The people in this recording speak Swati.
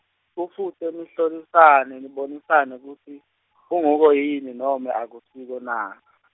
kufute nihlolisane nibonisane kutsi , kunguko yini nome akusiko na .